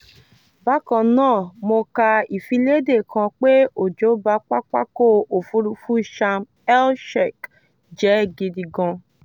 Bákan náà mo ka ìfiléde kan pé òjò ba pápákọ̀ òfurufú Sham El-Sheikh jẹ́ gidi gan!